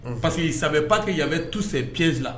Unhun. Parce qu'il savait pas qu'il y avait tous ces pièges la .